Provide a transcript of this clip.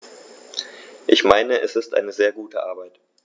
Ich meine, es ist eine sehr gute Arbeit.